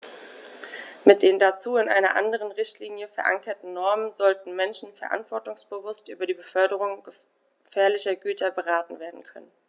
Mit den dazu in einer anderen Richtlinie, verankerten Normen sollten Menschen verantwortungsbewusst über die Beförderung gefährlicher Güter beraten werden können.